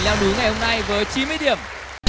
leo núi ngày hôm nay với chín mươi điểm